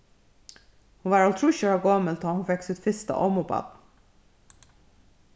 hon var hálvtrýss ára gomul tá hon fekk sítt fyrsta ommubarn